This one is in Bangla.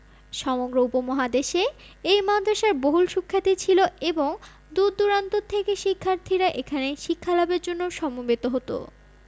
সমগ্র উপমহাদেশে এই মাদ্রাসার বহুল সুখ্যাতি ছিল এবং দূরদূরান্ত থেকে শিক্ষার্থীরা এখানে শিক্ষালাভের জন্য সমবেত হতো